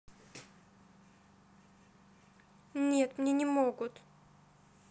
нет мне не могут